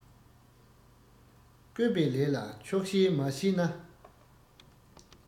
བཀོད པའི ལས ལ ཆོག ཤེས མ བྱས ན